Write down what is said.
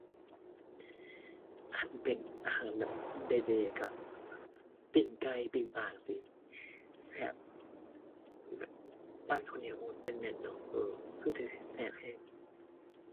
คันเป็นอาหารแบบเบเบ ก็ปิ้งไก่ปิ้งปลาจั่งซี้ แซ่บ แบบ ปั้นข้าวเหนียวแน่นแน่นเนาะ เอ้อ คือสิแซ่บก็